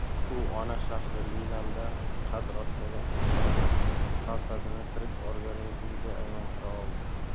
u ona shahri milanda qad rostlagan inshootning fasadini tirik organizmga aylantira oldi